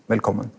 velkommen.